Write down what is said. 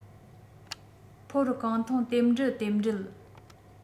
ཕོར གང འཐུང རྟེན འབྲེལ རྟེན འབྲེལ